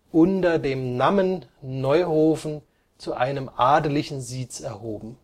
under dem Nammen Neuhofen zu ainem adelichen Siz erhoben